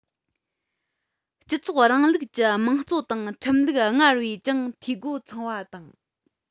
སྤྱི ཚོགས རིང ལུགས ཀྱི དམངས གཙོ དང ཁྲིམས ལུགས སྔར བས ཀྱང འཐུས སྒོ ཚང བ དང